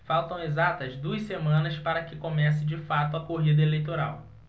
faltam exatas duas semanas para que comece de fato a corrida eleitoral